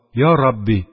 «йа рабби